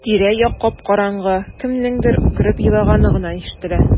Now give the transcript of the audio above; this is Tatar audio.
Тирә-як кап-караңгы, кемнеңдер үкереп елаганы гына ишетелә.